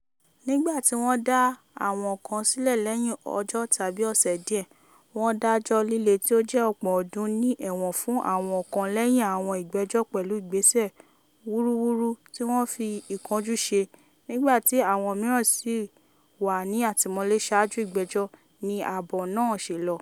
"Nígbà tí wọ́n dá àwọn kan sílẹ̀ lẹ́yìn ọjọ́ tàbí ọ̀sẹ̀ díẹ̀, wọ́n dájọ́ líle tí ó jẹ́ ọ̀pọ̀ ọdún ní ẹ̀wọ̀n fún àwọn kan lẹ́yìn àwọn ìgbẹ́jọ́ pẹ̀lú ìgbésẹ̀ wúrúwúrú tí wọ́n fi ìkánjú ṣe, nígbà tí àwọn mìíràn sì wà ní àtìmọ́lé ṣáájú ìgbẹ́jọ́," ni àbọ̀ náà ṣe lọ.